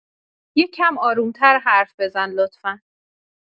یه کم آروم‌تر حرف بزن لطفا